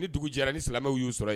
Ni dugu jɛra ni silamɛw y'o sɔrɔ yen